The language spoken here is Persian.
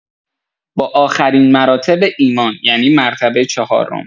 با آخرین مراتب ایمان، یعنی مرتبه چهارم